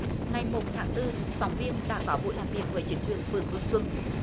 ngày một tháng tư phóng viên đã có buổi làm việc với chính quyền phường hương xuân